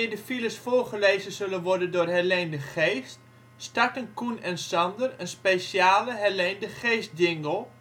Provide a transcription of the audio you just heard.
de files voorgelezen zullen worden door Heleen de Geest starten Coen & Sander een speciale Heleen de Geest-jingle